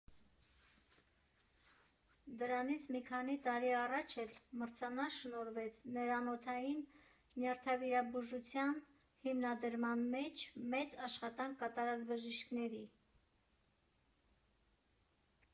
Դրանից մի քանի տարի առաջ էլ մրցանակ շնորհվեց ներանոթային նյարդավիրաբուժության հիմնադրման մեջ մեծ աշխատանք կատարած բժիշկների։